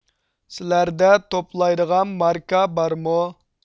سىلەردە توپلايدىغان ماركا بارمۇ